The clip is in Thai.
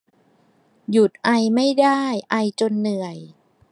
หยุดไอไม่ได้ไอจนเหนื่อย